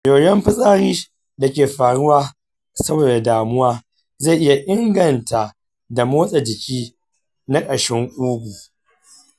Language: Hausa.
yoyon fitsari da ke faruwa saboda damuwa zai iya inganta da motsa jiki na ƙashin ƙugu.